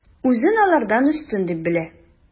Үзен алардан өстен дип белә.